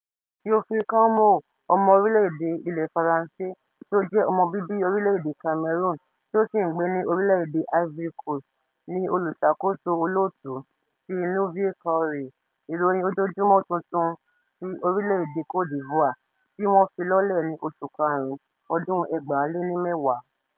Théophile Kouamouo, ọmọ orílẹ̀ èdè Ilẹ̀ Faransé tí ó jẹ́ ọmọ bíbí orílẹ̀ èdè Cameroon tí ó sì ń gbé ní orílẹ̀ èdè Ivory Coast, ní Olùṣàkóso Olóòtú ti Nouveau Courier, ìròyìn ojoojúmọ́ tuntun ti orílẹ̀ èdè Cote d'Ivoire tí wọ́n fi lólẹ̀ ní oṣù Karùn-ún ọdún 2010.